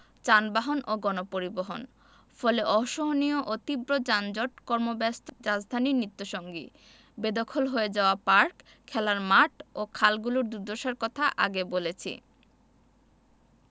যানবাহন ও গণপরিবহন ফলে অসহনীয় ও তীব্র যানজট কর্মব্যস্ত রাজধানীর নিত্যসঙ্গী বেদখল হয়ে যাওয়া পার্ক খেলার মাঠ ও খালগুলোর দুর্দশার কথা আগে বলেছি